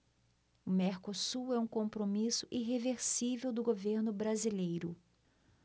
o mercosul é um compromisso irreversível do governo brasileiro